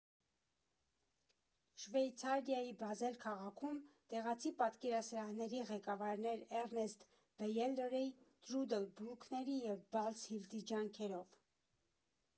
֊ին Շվեյցարիայի Բազել քաղաքում՝ տեղացի պատկերասրահների ղեկավարներ Էռնստ Բեյէլերի, Տրուդլ Բրուքների և Բալզ Հիլտի ջանքերով։